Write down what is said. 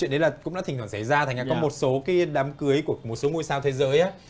đấy là cũng đã thỉnh thoảng xảy ra thành ra có một số cái đám cưới của một số ngôi sao thế giới á